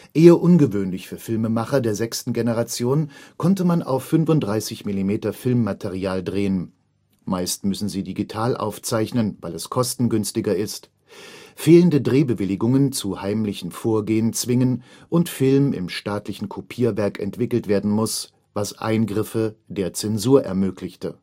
Eher ungewöhnlich für Filmemacher der sechsten Generation, konnte man auf 35mm-Filmmaterial drehen – meistens müssen sie digital aufzeichnen, weil es kostengünstiger ist, fehlende Drehbewilligungen zu heimlichem Vorgehen zwingen und Film im staatlichen Kopierwerk entwickelt werden muss, was Eingriffe der Zensur ermöglichte